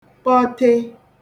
kpọte